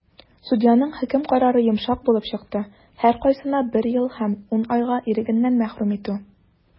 Судьяның хөкем карары йомшак булып чыкты - һәркайсына бер ел һәм 10 айга ирегеннән мәхрүм итү.